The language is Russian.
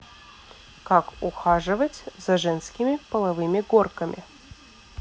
как ухаживать за женскими половыми горками